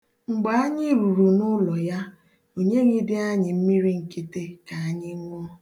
Mgbe anyị ruru n'ụlọ ya, o nyeghịdị anyị mmiri nkịtị ka anyị ṅụọ.